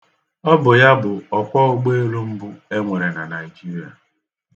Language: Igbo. Ọ bụ ya bụ ọkwọụgbọelu mbụ e nwere na Naijiria.